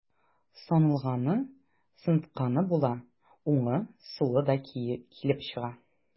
Сыналганы, сынатканы була, уңы, сулы да килеп чыга.